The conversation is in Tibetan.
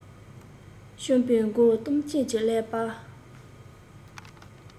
སྤྱང པོ མགོ སྟོང ཅན གྱི ཀླད པ